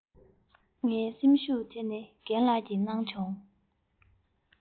ངའི སེམས ཤུགས དེ ནི རྒན ལགས ཀྱི གནང བྱུང